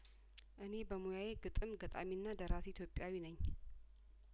እኔ በሙያዬ ግጥም ገጣሚና ደራሲ ኢትዮጵያዊ ነኝ